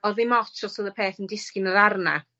odd ddim otsh os odd y peth yn disgyn y- ddarna.